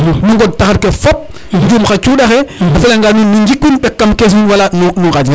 nu ŋod taxar ke fop njum xa cunda xe a fela nge nuun nu njikwin mbak kam caisse nuun wala nu ŋajrino yo